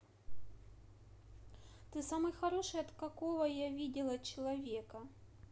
ты самый хороший от какого я видела человека